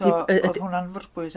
So roedd hwnna'n fyrbwyll a...